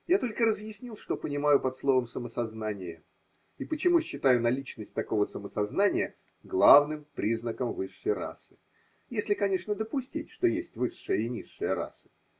Я только разъяснял, что понимаю под словом самосознание и почему считаю наличность такого самосознания главным признаком высшей расы (если, конечно, допустить, что есть высшая и низшая расы).